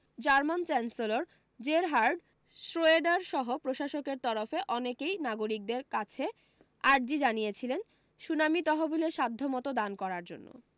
German chancellor Gerhard Schroeder সহ প্রশাসনের তরফে অনেকই নাগরিকদের কাছে আর্জি জানিয়েছিলেন সুনামি তহবিলে সাধ্য মতো দান করার জন্য